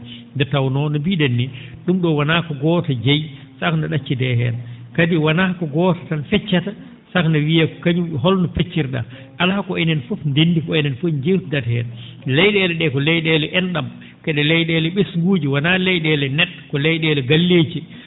nde tawnoo no mbii?en nii ?um ?o wonaa ko gooto jeyi saka no ?accidee heen kadi wonaa ko gooto tan feccata saka no wiyee ko kañum holno peccir?aa alaa ko enen fof deenndi ko enen fof njeewtidata heen ley?eele ?ee ko ley?eele en?am kadi ley?eele ?esguuji wonaa ley?eele ne??o ko ley?eele galleeji